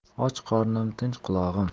och qornim tinch qulog'im